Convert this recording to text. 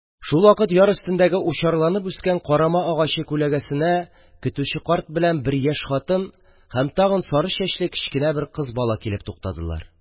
Шулвакыт яр өстендәге учарланып үскән карама агачы күләгәсенә көтүче карт белән бер яшь хатын һәм тагын сары чәчле кечкенә бер кыз бала килеп туктадылар.